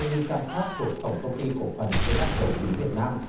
nghi can khác thuộc tổng công ty cổ phần xây lắp dầu khí việt nam